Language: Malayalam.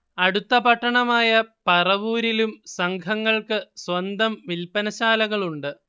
അടുത്ത പട്ടണമായ പറവൂരിലും സംഘങ്ങൾക്ക് സ്വന്തം വില്പനശാലകളുണ്ട്